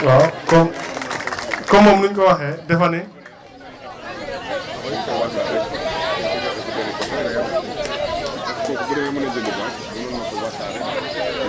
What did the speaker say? waaw comme comme moom ni mu ko waxee dafa ne